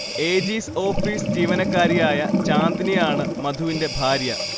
AG's office ജീവനക്കാരിയായ ചാന്ദ്നിയാണ് മധുവിന്റെ ഭാര്യ